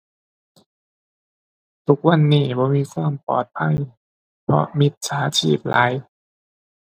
ทุกวันนี้บ่มีความปลอดภัย เพราะมิจฉาชีพหลาย